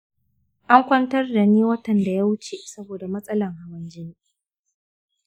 an kwantar dani watan da ya wuce saboda matsalan hawan jini.